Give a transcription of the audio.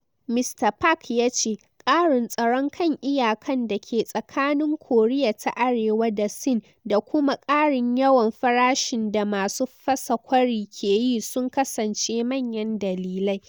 Mr Park ya ce, karin tsaron kan iyakan da ke tsakanin Koriya ta Arewa da Sin da kuma karin yawan farashin da masu fasa kwari ke yi sun kasance manyan dalilai.